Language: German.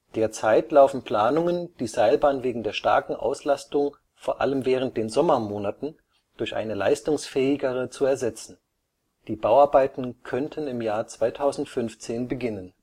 Derzeit laufen Planungen, die Seilbahn wegen der starken Auslastung, vor allem während den Sommermonaten, durch eine leistungsfähigere zu ersetzen. Die Bauarbeiten könnten 2015 beginnen